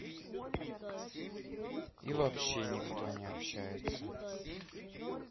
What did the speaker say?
и вообще никто не общается